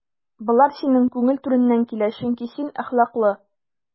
Болар синең күңел түреннән килә, чөнки син әхлаклы.